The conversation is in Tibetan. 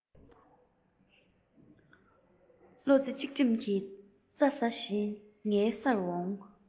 བློ རྩེ གཅིག སྒྲིམ གྱིས རྩྭ ཟ བཞིན ངའི སར འོང